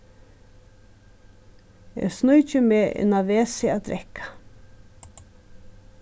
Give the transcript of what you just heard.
eg sníki meg inná vesið at drekka